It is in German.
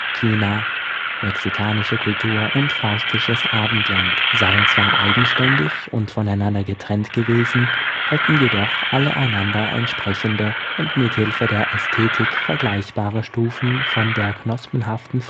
China, mexikanische Kultur und „ faustisches “Abendland – seien zwar eigenständig und voneinander getrennt gewesen, hätten jedoch alle einander entsprechende und mit Hilfe der Ästhetik vergleichbare Stufen von der knospenhaften